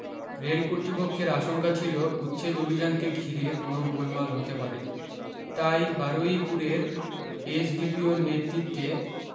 rail কর্তৃপক্ষের আশঙ্কা ছিল উচ্ছেদ অভি্যানকে ঘিরে কোনও গোলমাল হতে পারে তাই বারুইপুরের এসডিপিওর নেতৃত্বে